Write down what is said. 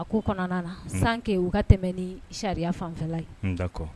A ko kɔnɔna na sanke u ka tɛmɛ ni sariya fanfɛla ye kɔ